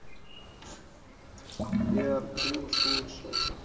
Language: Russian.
беар гриллс лучшее